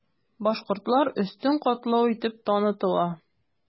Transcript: Башкортлар өстен катлау итеп танытыла.